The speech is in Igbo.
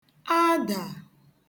adà